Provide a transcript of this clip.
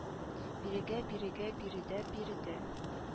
Бирегә бирегә биредә биредә